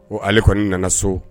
O ale kɔni nana so